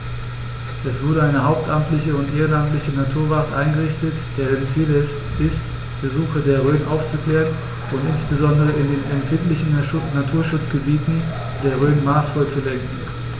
Es wurde eine hauptamtliche und ehrenamtliche Naturwacht eingerichtet, deren Ziel es ist, Besucher der Rhön aufzuklären und insbesondere in den empfindlichen Naturschutzgebieten der Rhön maßvoll zu lenken.